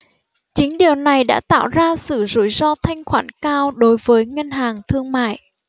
chính điều này đã tạo ra sự rủi ro thanh khoản cao đối với ngân hàng thương mại